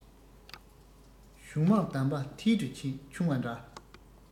གཞུང མང གདམས པ མཐིལ དུ ཕྱུང བ འདྲ